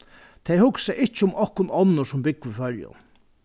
tey hugsa ikki um okkum onnur sum búgva í føroyum